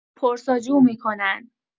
پرس‌وجو می‌کنن